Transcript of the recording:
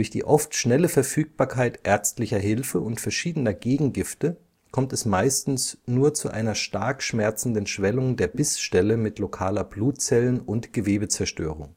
die oft schnelle Verfügbarkeit ärztlicher Hilfe und verschiedener Gegengifte kommt es meistens nur zu einer stark schmerzenden Schwellung der Bissstelle mit lokaler Blutzellen - und Gewebezerstörung